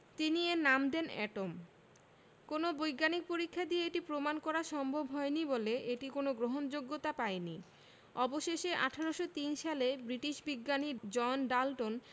তিনি এর নাম দেন এটম কোনো বৈজ্ঞানিক পরীক্ষা দিয়ে এটি প্রমাণ করা সম্ভব হয়নি বলে এটি কোনো গ্রহণযোগ্যতা পায়নি অবশেষে ১৮০৩ সালে ব্রিটিশ বিজ্ঞানী জন ডাল্টন